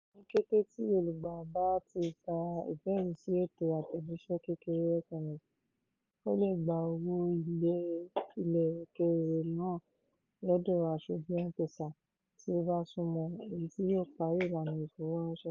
Ní kété tí olùgbà bá ti gba ìjẹ́rìsíí ètò àtẹ̀jíṣẹ́ kékeré (SMS), ó le gba owó ilẹ̀ òkèèrè náà lọ́dọ̀ aṣojú M-Pesa tí ó bá súnmọ́n-ọn, èyí tí yóò parí ìlànà ìfowóráńṣẹ́.